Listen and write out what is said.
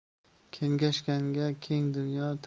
kengashganga keng dunyo